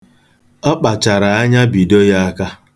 Ọ kpachara anya bido ya aka.